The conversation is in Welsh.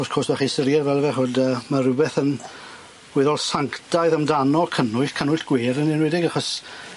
Wrth gwrs 'dach chi styried fel yfe ch'od yy ma' rwbeth yn weddol sanctaidd amdano cannwyll cannwyll gwead yn enwedig achos